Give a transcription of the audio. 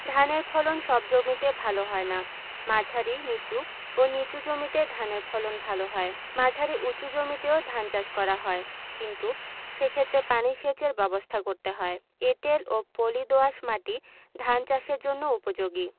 ধানের ফলন সব জমিতে ভালো হয় না মাঝারি নিচু ও নিচু জমিতে ধানের ফলন ভালো হয় মাঝারি উচু জমিতেও ধান চাষ করা হয় কিন্তু সেক্ষেত্রে পানি সেচের ব্যাবস্থা করতে হয় এঁটেল ও পলি দোআঁশ মাটি ধান চাষের জন্য উপযোগী